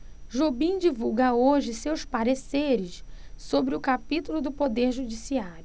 jobim divulga hoje seus pareceres sobre o capítulo do poder judiciário